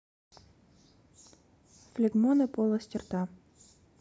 флегмона полости рта